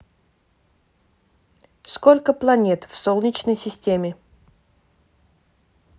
сколько планет в солнечной системе